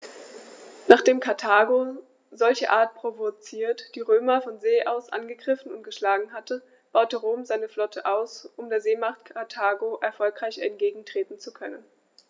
Nachdem Karthago, solcherart provoziert, die Römer von See aus angegriffen und geschlagen hatte, baute Rom seine Flotte aus, um der Seemacht Karthago erfolgreich entgegentreten zu können.